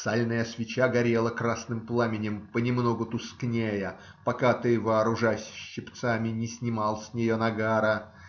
Сальная свеча горела красным пламенем, понемногу тускнея, пока ты, вооружась щипцами, не снимал с нее нагара.